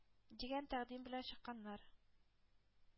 Дигән тәкъдим белән чыкканнар.